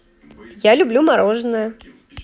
я люблю мороженое